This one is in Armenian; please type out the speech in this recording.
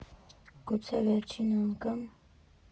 Գուցե վերջին անգամ։